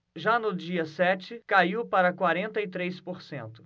já no dia sete caiu para quarenta e três por cento